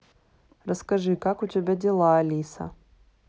расскажи как у тебя дела алиса